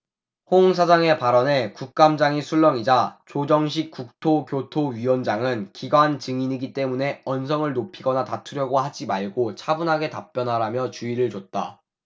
홍 사장의 발언에 국감장이 술렁이자 조정식 국토교토위원장은 기관 증인이기 때문에 언성을 높이거나 다투려고 하지 말고 차분하게 답변하라며 주의를 줬다